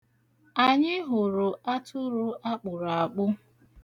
Anyị hụrụ atụrụ akpụrụ akpụ.